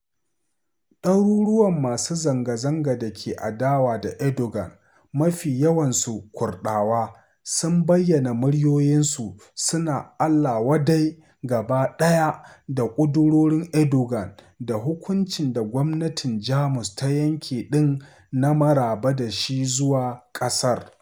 Ɗaruruwan masu zanga-zanga da ke adawa da Erdogan - mafi yawansu Kurɗawa - sun bayyana muryoyinsu, suna Allah-wa-dai gaba ɗaya da ƙudurorin Erdogan da hukuncin da gwamnatin Jamus ta yanke ɗin na maraba da shi zuwa ƙasar.